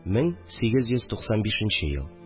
1895 ел